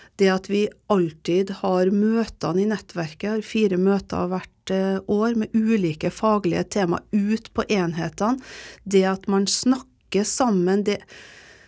det at vi alltid har møtene i nettverket har fire møter hvert år med ulike faglige tema ute på enhetene det at man snakker sammen det.